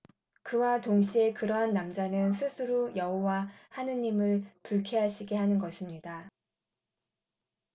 그와 동시에 그러한 남자는 스스로 여호와 하느님을 불쾌하시게 하는 것입니다